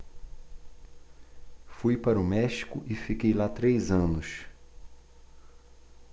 fui para o méxico e fiquei lá três anos